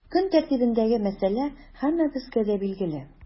Көн тәртибендәге мәсьәлә һәммәбезгә дә билгеле.